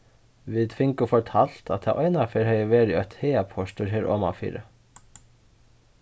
vit fingu fortalt at tað einaferð hevði verið eitt hagaportur her omanfyri